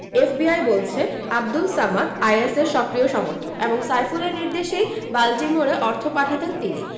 FBI বলছে আবদুল সামাদ আইএসের সক্রিয় সমর্থক এবং সাইফুলের নির্দেশেই বাল্টিমোরে অর্থ পাঠাতেন তিনি